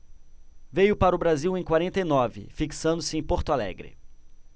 veio para o brasil em quarenta e nove fixando-se em porto alegre